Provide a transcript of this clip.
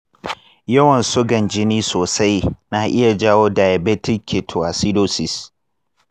yawan sugan jini sosai na iya jawo diabetic ketoacidosis.